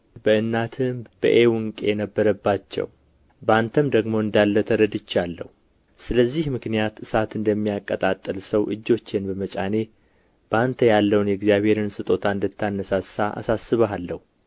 በእናትህም በኤውንቄ ነበረባቸው በአንተም ደግሞ እንዳለ ተረድቼአለሁ ስለዚህ ምክንያት እሳት እንደሚያቀጣጥል ሰው እጆቼን በመጫኔ በአንተ ያለውን የእግዚአብሔርን ስጦታ እንድታነሣሣ አሳስብሃለሁ